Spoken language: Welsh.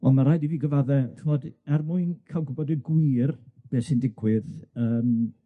Wel ma' raid i fi gyfadde, ch'mod er mwyn ca'l gwbod yn gwir be' sy'n digwydd, yym